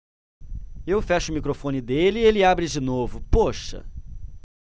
eu fecho o microfone dele ele abre de novo poxa